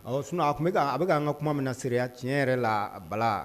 Ɔ sun tun bɛ a bɛ an ka kuma min na se tiɲɛ yɛrɛ la a bala